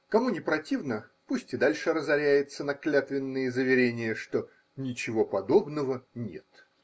Кому не противно, пусть и дальше разоряется на клятвенные заверения, что ничего подобного нет.